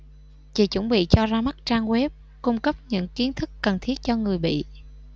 chị chuẩn bị cho ra mắt trang web cung cấp những kiến thức cần thiết cho người bị